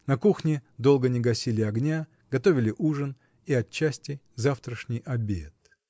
На кухне долго не гасили огня, готовили ужин и отчасти завтрашний обед.